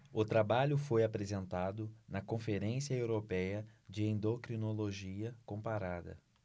o trabalho foi apresentado na conferência européia de endocrinologia comparada